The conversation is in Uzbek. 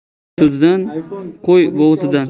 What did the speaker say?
yigit so'zidan qo'y bo'g'zidan